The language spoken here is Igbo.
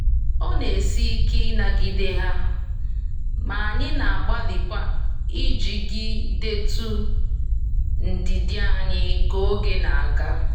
Ọ na-esi ike ịnagide ha ma anyị na-agbalikwa ijigidetụ ndidi anyị ka oge na-aga.